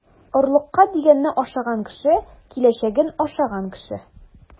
Орлыкка дигәнне ашаган кеше - киләчәген ашаган кеше.